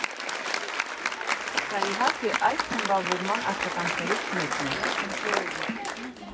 Սա, իհարկե, արտ խմբավորման աշխատանքներից մեկն է։